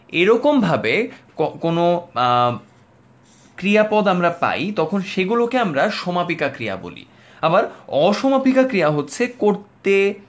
এরকম ভাবে কোন ক্রিয়া পদ আমরা পাই তখন সে গুলোকে আমরা সমাপিকা ক্রিয়া বলি আবার অসমাপিকা ক্রিয়া হচ্ছে করতে